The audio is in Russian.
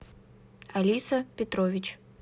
алиса петрович